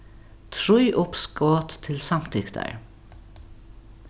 trý uppskot til samtyktar